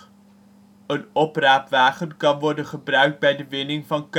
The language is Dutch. opraapwagen kan worden gebruikt bij de winning van